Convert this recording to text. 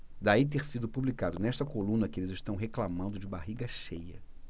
daí ter sido publicado nesta coluna que eles reclamando de barriga cheia